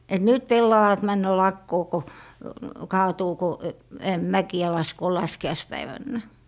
että nyt pellavat menee lakoon kun kaatuu kun mäkiä laskee laskiaispäivänä